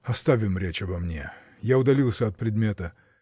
Оставим речь обо мне, я удалился от предмета.